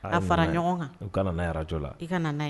a fara ɲɔgɔn ŋan u ka na n'a ye radio la i ka na n'a ye